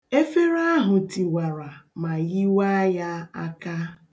Efere ahụ tiwara ma yiwaa ya aka .